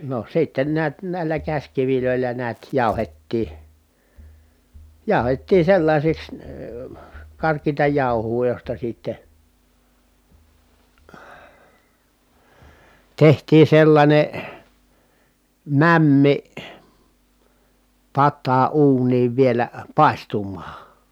no sitten näet näillä käsikivillä näet jauhettiin jauhettiin sellaisiksi karkeata jauhoa josta sitten tehtiin sellainen mämmi pataan uuniin vielä paistumaan